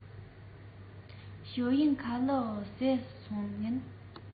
ཞའོ གཡན ཁ ལག བཟས སོང ངས